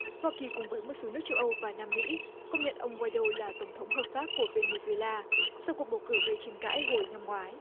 hoa kỳ cùng với một số nước châu âu và nam mỹ công nhận ông oai đô là tổng thống hợp pháp của vê nê duê na sau cuộc bầu cử gây tranh cãi hồi năm ngoái